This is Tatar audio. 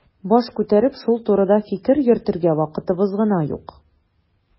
Баш күтәреп шул турыда фикер йөртергә вакытыбыз гына юк.